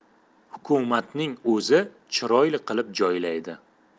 hukumatning o'zi chiroyli qilib joylaydi